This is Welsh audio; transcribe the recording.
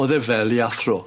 O'dd e fel 'i athro.